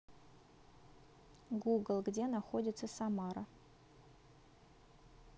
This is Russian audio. google где находится самара